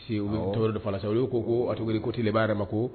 U tɔɔrɔ dɔla sa olu y' kot ko tɛ bbaaa ma ko